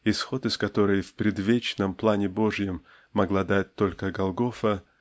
исход из которой в предвечном плане Божием могла дать только Голгофа